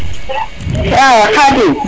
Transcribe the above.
wa Khadim